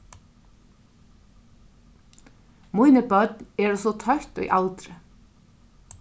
míni børn eru so tøtt í aldri